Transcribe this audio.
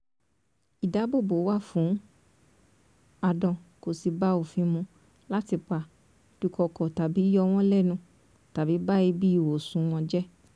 Ìdáàbòbò wà fún àdán kò sì bá òfin mu láti pa, dúkokò tàbi yọ wọ́n lẹ́nu tàbí ba ibi ìwọ̀sùn wọn jẹ́.